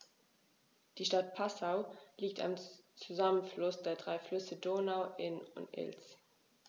Die Stadt Passau liegt am Zusammenfluss der drei Flüsse Donau, Inn und Ilz.